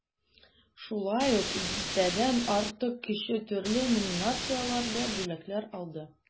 Шулай ук дистәдән артык кеше төрле номинацияләрдә бүләкләр алды.